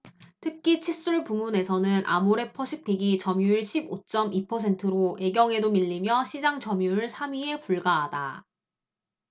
특히 칫솔 부문에서는 아모레퍼시픽이 점유율 십 오 쩜 이 퍼센트로 애경에도 밀리며 시장점유율 삼 위에 불과하다